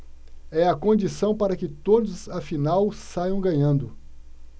é a condição para que todos afinal saiam ganhando